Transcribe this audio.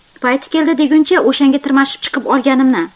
payti keldi deguncha o'shanga tirmashib chiqib olganimni